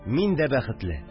Мин дә бәхетле